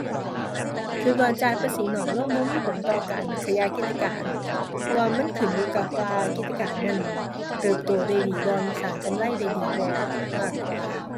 คิดว่าจ่ายภาษีน้อยลงบ่มีผลต่อการขยายกิจการ เพราะว่ามันขึ้นอยู่กับว่ากิจการนั้น เติบโตได้ดีบ่ มันสร้างกำไรได้ดีบ่ มากกว่า